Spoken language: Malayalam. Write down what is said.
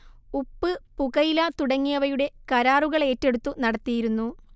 ഉപ്പ് പുകയില തുടങ്ങിയവയുടെ കരാറുകളേറ്റെടുത്തു നടത്തിയിരുന്നു